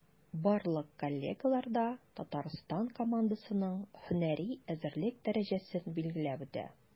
Барлык коллегалар да Татарстан командасының һөнәри әзерлек дәрәҗәсен билгеләп үтә.